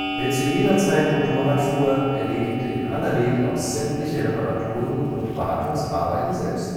Wer zu jener Zeit Motorrad fuhr, erledigte in aller Regel auch sämtliche Reparaturen und Wartungsarbeiten selbst